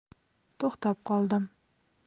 to'xtab qoldim